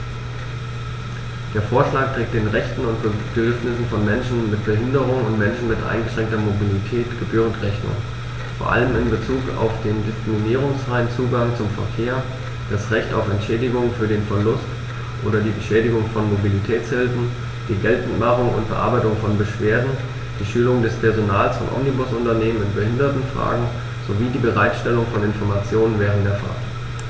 Der Vorschlag trägt den Rechten und Bedürfnissen von Menschen mit Behinderung und Menschen mit eingeschränkter Mobilität gebührend Rechnung, vor allem in Bezug auf den diskriminierungsfreien Zugang zum Verkehr, das Recht auf Entschädigung für den Verlust oder die Beschädigung von Mobilitätshilfen, die Geltendmachung und Bearbeitung von Beschwerden, die Schulung des Personals von Omnibusunternehmen in Behindertenfragen sowie die Bereitstellung von Informationen während der Fahrt.